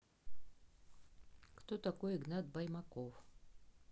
кто такой игнат баймаков